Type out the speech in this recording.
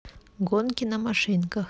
гонки на машинках